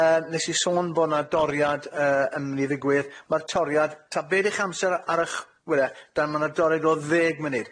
Yy nes i sôn bo' na doriad yy yn myn' i ddigwydd, ma'r toriad, 'ta be' di'ch amser ar y'ch- wede, dan ma' 'na doriad o ddeg munud.